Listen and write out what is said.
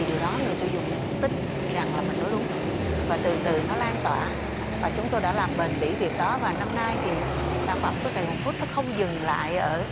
thì điều đó người tiêu dùng tin rằng mình nói đúng và từ từ nó lan tỏa và chúng tôi đã làm bền bỉ việc đó và năm nay thì sản phẩm của sài gòn phút nó không dừng lại ở